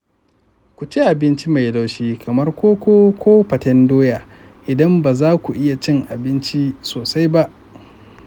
ku ci abinci mai laushi kamar koko ko faten doya idan ba za ku iya cin abinci sosai ba.